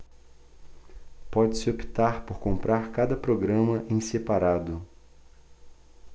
pode-se optar por comprar cada programa em separado